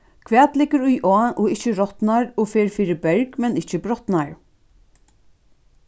hvat liggur í á og ikki rotnar og fer fyri berg men ikki brotnar